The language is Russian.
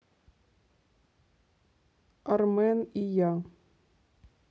армен и я